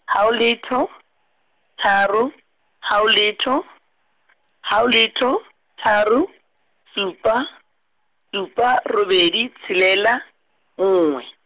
haho letho, tharo, haho letho , haho letho tharo, supa supa robedi tshelela nngwe.